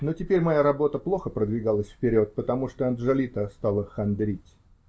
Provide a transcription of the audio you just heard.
Но теперь моя работа плохо подвигалась вперед, потому что Анджолита стала хандрить.